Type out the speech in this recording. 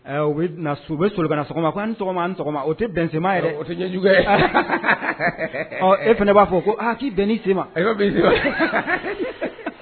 Bɛ sobana sɔgɔma ko ni sɔgɔma o tɛma o tɛ ɲɛjugu e fana b'a fɔ ko'i d sema e